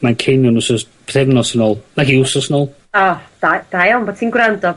Manceinion wsos, pythefnos yn ôl nagi wsnos yn ôl. O da da iawn bo' ti'n gwrando...